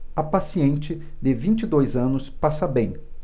a paciente de vinte e dois anos passa bem